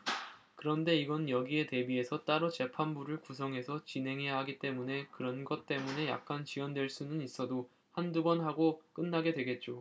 그런데 이건 여기에 대비해서 따로 재판부를 구성해서 진행해야 하기 때문에 그런 것 때문에 약간 지연될 수는 있어도 한 두 번 하고 끝나게 되겠죠